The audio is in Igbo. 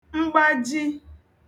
mgbaji